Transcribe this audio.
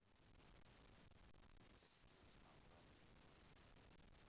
президент авраам линкольн